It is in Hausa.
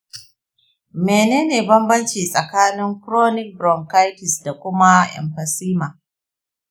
menene banbanci tsakanin chronic bronchitis da kuma emphysema?